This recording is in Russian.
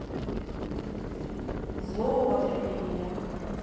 злоупотребления